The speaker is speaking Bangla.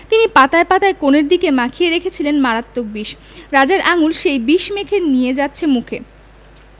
তিনি পাতায় পাতায় কোণের দিকে মাখিয়ে রেখেছিলেন মারাত্মক বিষ রাজার আঙুল সেই বিষ মেখে নিয়ে যাচ্ছে মুখে